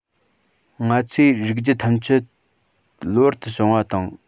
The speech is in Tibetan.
ང ཚོས རིགས རྒྱུད ཐམས ཅད གློ བུར དུ བྱུང བ དང